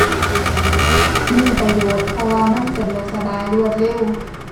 มีประโยชน์ เพราะว่ามันสะดวกสบายรวดเร็ว